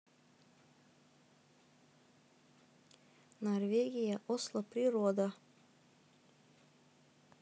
норвегия осло природа